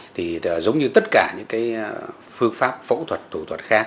thì để giống như tất cả những cái phương pháp phẫu thuật thủ thuật khác